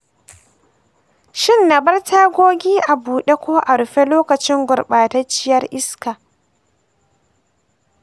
shin na bar tagogi a bude ko a rufe lokacin gurɓatacciyar iska?